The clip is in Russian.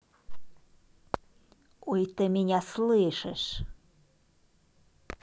ой ты меня слышишь